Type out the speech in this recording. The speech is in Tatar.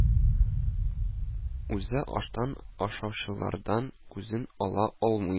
Үзе аштан, ашаучылардан күзен ала алмый